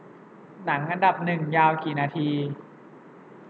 หนังอันดับหนึ่งยาวกี่นาที